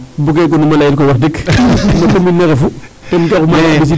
Bugee gonum a layel koy wax deg no commune ne refu.